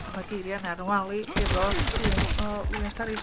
A ma'r geiria yna ar yn wal i efo llun o Williams Parry.